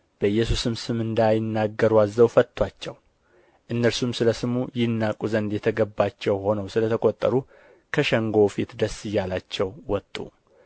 በኢየሱስም ስም እንዳይናገሩ አዝዘው ፈቱአቸው እነርሱም ስለ ስሙ ይናቁ ዘንድ የተገባቸው ሆነው ስለ ተቈጠሩ ከሸንጎው ፊት ደስ እያላቸው ወጡ